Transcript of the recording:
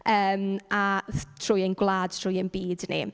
yym, a th- trwy ein gwlad, trwy ein byd ni.